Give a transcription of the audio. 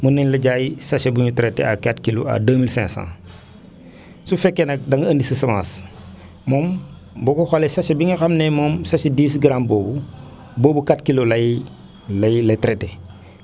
mën nañ la jaay sachet bu ñu traité à 4 kilos à 2500 su fekkee nag da nga indi sa semence moom boo ko xoolee sachet bi nga xam ne moom sachet 10 grammes boobu boobu 4 kilos lay lay traité